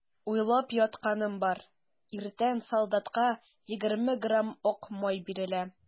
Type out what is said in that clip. Уйлап ятканым бар: иртән солдатка егерме грамм ак май бирелә.